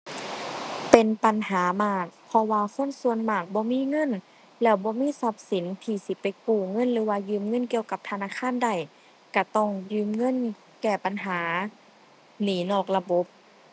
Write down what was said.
เป็นปัญหามาก เพราะว่าคนส่วนมากบ่มีเงิน แล้วบ่มีทรัพย์สินที่สิไปกู้เงิน หรือว่ายืมเงินเกี่ยวกับธนาคารได้ ก็ต้องยืมเงินแก้ปัญหาหนี้นอกระบบ